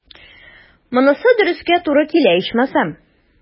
Монысы дөрескә туры килә, ичмасам.